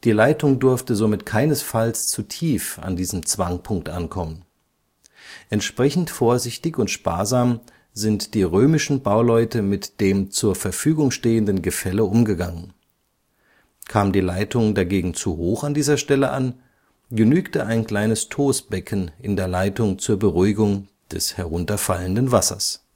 Leitung durfte somit keinesfalls zu tief an diesem Zwangpunkt ankommen. Entsprechend vorsichtig und sparsam sind die römischen Bauleute mit dem zur Verfügung stehenden Gefälle umgegangen. Kam die Leitung dagegen zu hoch an dieser Stelle an, genügte ein kleines Tosbecken in der Leitung zur Beruhigung des herunterfallenden Wassers